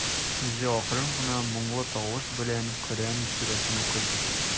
Үзе акрын гына, моңлы тавыш белән Коръән сүрәсен укый.